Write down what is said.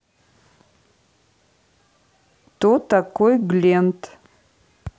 кто такой глент